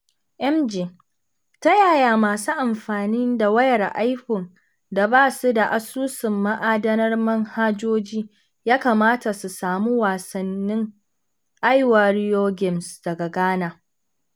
MJ: Ta yaya masu amfanin da wayar iphone da ba su da asusun ma'adanar manhajoji ya kamata su samu wasannin iWarrior Games daga Ghana?